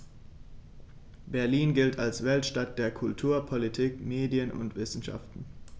Berlin gilt als Weltstadt der Kultur, Politik, Medien und Wissenschaften.